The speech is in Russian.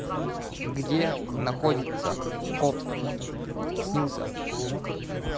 где находится кот снился